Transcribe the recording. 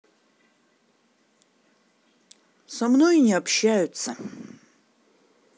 со мной не общаются